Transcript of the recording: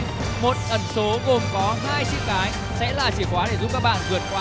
một ẩn số gồm có hai chữ cái sẽ là chìa khóa để giúp các bạn vượt qua